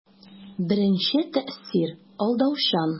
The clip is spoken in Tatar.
Беренче тәэсир алдаучан.